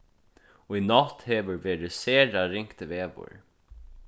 í nátt hevur verið sera ringt veður